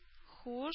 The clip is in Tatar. Һуш